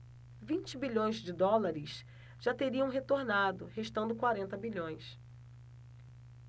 vinte bilhões de dólares já teriam retornado restando quarenta bilhões